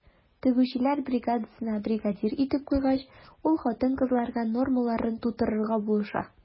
Тегүчеләр бригадасына бригадир итеп куйгач, ул хатын-кызларга нормаларын тутырырга булыша.